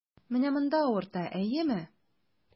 Менә монда авырта, әйеме?